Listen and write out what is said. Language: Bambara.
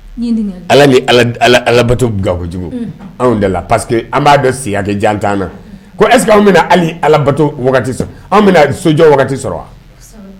Ala ni alabato gako kojugu anw da paseke an b'a dɔn s jan na koseke bɛna alato sɔrɔ sojɔ sɔrɔ wa